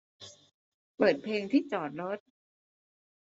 เปิดเพลงที่จอดรถ